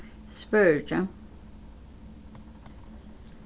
svøríki